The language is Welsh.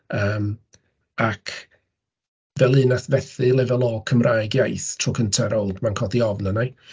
Yym, ac fel un wnaeth fethu Lefel O Cymraeg Iaith tro cynta rownd, ma'n codi ofn arna i.